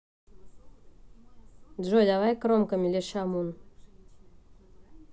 джой давай кромками леша мун